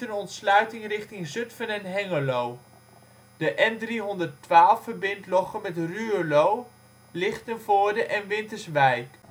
ontsluiting richting Zutphen en Hengelo. De N312 verbindt Lochem met Ruurlo, Lichtenvoorde en Winterswijk